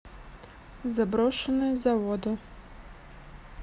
заброшенные заводы